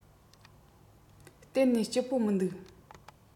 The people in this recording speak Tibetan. གཏན ནས སྐྱིད པོ མི འདུག